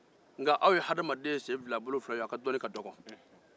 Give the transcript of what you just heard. nka aw ye hadamaden sen fila bolo ye a' hakili ka dɔgɔn